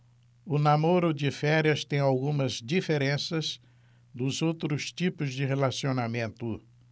o namoro de férias tem algumas diferenças dos outros tipos de relacionamento